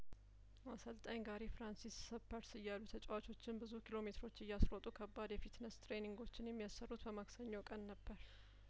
አሰልጣኝ ጋሪ ፍራንሲስ ስፐርስ እያሉ ተጫዋቾችን ብዙ ኪሎ ሜትሮች እያስሮጡ ከባድ የፊትነስ ትሬይኒንጐችን የሚያሰሩት በማክሰኞ ቀን ነበር